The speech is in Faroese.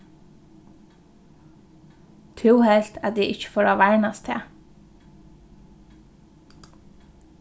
tú helt at eg ikki fór at varnast tað